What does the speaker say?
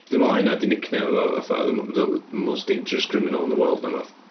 Dwi'n meddwl hynna 'di nickname fo fatha the- the most dangerous criminal in the world. neu rywbath.